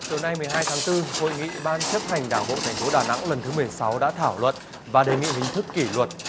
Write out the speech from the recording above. chiều nay mười hai tháng tư hội nghị ban chấp hành đảng bộ thành phố đà nẵng lần thứ mười sáu đã thảo luận và đề nghị hình thức kỷ luật